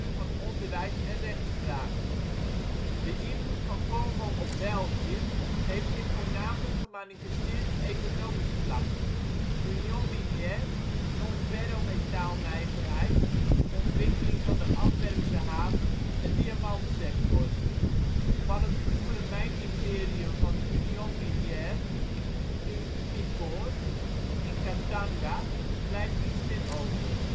van onderwijs en rechtspraak. De invloed van Congo op België heeft zich voornamelijk gemanifesteerd op economisch vlak: Union Minière, non-ferro metaalnijverheid, ontwikkeling van de Antwerpse haven en diamant-sector. Van het vroegere mijn-imperium van de Union Minière (nu: Umicore) in Katanga blijft niets meer over